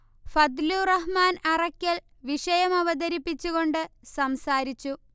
ഫദ്ലു റഹ്മാൻ അറക്കൽ വിഷയം അവതരിപ്പിച്ച് കൊണ്ട് സംസാരിച്ചു